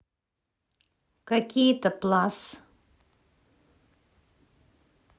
какие то plus